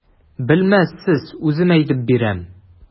Белмәссез, үзем әйтеп бирәм.